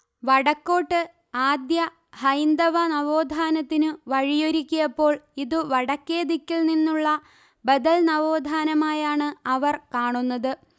വടക്കോട്ട് ആദ്യ ഹൈന്ദവ നവോത്ഥാനത്തിനു വഴിയൊരുക്കിയപ്പോൾ ഇതു വടക്കേ ദിക്കിൽ നിന്നുള്ള ബദൽ നവോത്ഥാനമായാണ് അവർ കാണുന്നത്